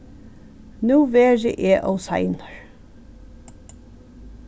nú verði eg ov seinur